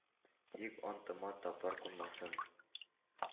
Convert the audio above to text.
Тик антыма таплар кунмасын!»